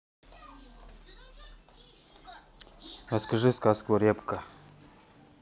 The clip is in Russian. расскажи сказку репка